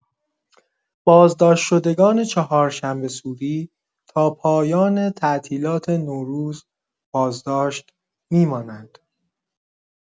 بازداشت‌شدگان چهارشنبه‌سوری تا پایان تعطیلات نوروز بازداشت می‌مانند.